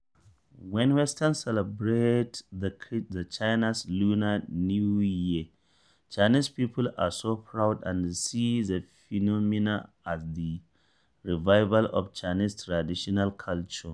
When Westerners celebrate the Chinese Lunar New Year, Chinese people are so proud and see the phenomena as the revival of Chinese traditional culture...